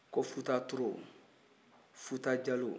ko futa toro futa jalɔn